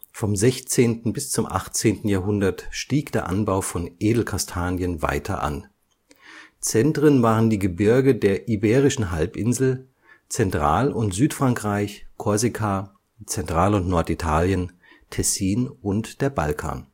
Vom 16. bis zum 18. Jahrhundert stieg der Anbau von Edelkastanien weiter an. Zentren waren die Gebirge der Iberischen Halbinsel, Zentral - und Süd-Frankreich, Korsika, Zentral - und Nord-Italien, Tessin und der Balkan